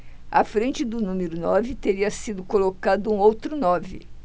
à frente do número nove teria sido colocado um outro nove